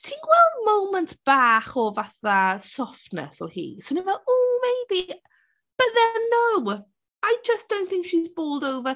ti'n gweld moments bach o fatha softness o hi so ni fel "Oh maybe?" But then no I just don't think she's bowled over.